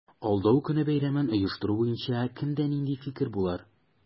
Алдау көне бәйрәмен оештыру буенча кемдә нинди фикер булыр?